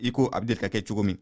iko a bɛ ka kɛ cogo min